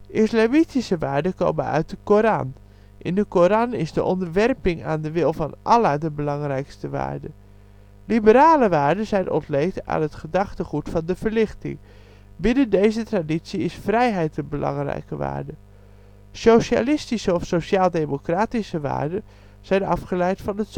Islamistische waarden komen uit de Koran. In de Koran is onderwerping aan de wil van Allah de belangrijkste waarde. Liberale waarden zijn ontleend aan het gedachtegoed van de Verlichting. Binnen deze traditie is vrijheid een belangrijke waarde. Socialistische of Sociaal-Democratische waarden zijn afgeleid van het